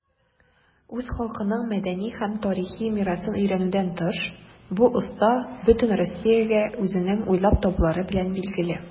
Үз халкының мәдәни һәм тарихи мирасын өйрәнүдән тыш, бу оста бөтен Россиягә үзенең уйлап табулары белән билгеле.